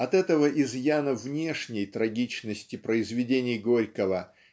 От этого изъяна внешней трагичности произведения Горького